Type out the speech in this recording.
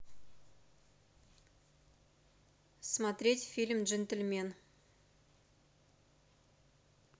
смотреть фильм джентельмен